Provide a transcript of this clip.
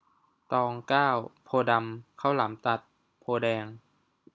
ตองเก้าโพธิ์ดำข้าวหลามตัดโพธิ์แดง